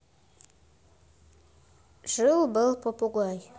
жил был попугай